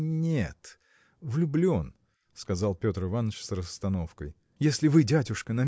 – Н. нет, влюблен, – сказал Петр Иваныч с расстановкой. – Если вы дядюшка